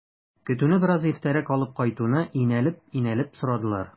Көтүне бераз иртәрәк алып кайтуны инәлеп-инәлеп сорадылар.